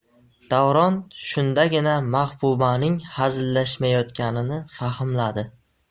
davron shundagina mahbubaning hazillashmayotganini fahmladi